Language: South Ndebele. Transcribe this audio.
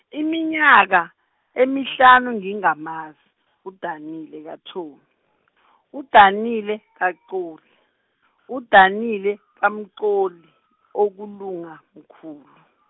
iminyaka emihlanu ngingamazi, uDanile kaThobi, uDanile kaXoli, uDanile kaMxoli, okulunga mkhulu.